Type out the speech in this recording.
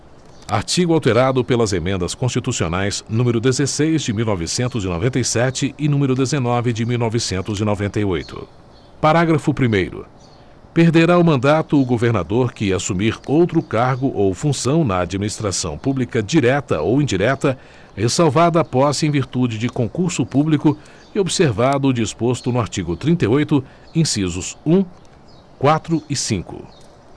artigo alterado pelas emendas constitucionais número dezesseis de mil novecentos e noventa e sete e número dezenove de mil novecentos e noventa e oito parágrafo primeiro perderá o mandato o governador que assumir outro cargo ou função na administração pública direta ou indireta ressalvada a posse em virtude de concurso público e observado o disposto no artigo trinta e oito incisos um quatro e cinco